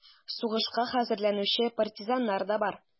Сугышка хәзерләнүче партизаннар да бар: